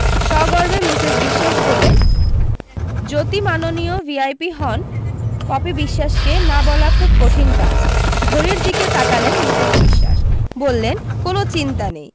সগর্বে Mrs Biswas বললেন যতি মাননীয় ভিআইপি হন পপি বিশ্বাসকে না বলা খুব কঠিন কাজ ঘড়ির দিকে তাকালেন মিসেস বিশ্বাস বললেন কোনো চিন্তা নেই